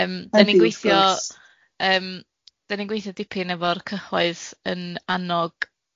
Yym... Wrth gwrs... 'da ni'n gweithio yym 'da ni'n gweithio dipyn efo'r cyhoedd yn annog